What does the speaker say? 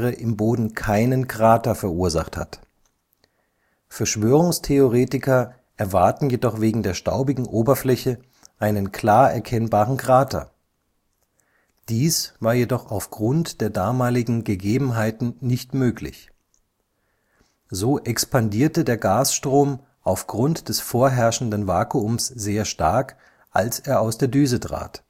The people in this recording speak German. im Boden keinen Krater verursacht hat. Verschwörungstheoretiker erwarten jedoch wegen der staubigen Oberfläche einen klar erkennbaren Krater. Dies war jedoch auf Grund der damaligen Gegebenheiten nicht möglich. So expandierte der Gasstrom auf Grund des vorherrschenden Vakuums sehr stark, als er aus der Düse trat